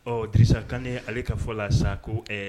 Ɔ disa kan ale ka fɔ la sa ko ɛɛ